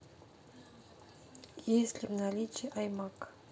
есть ли в наличии аймак